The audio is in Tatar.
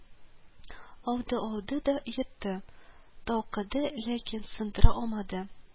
Алды, алды да йотты, талкыды, ләкин сындыра алмады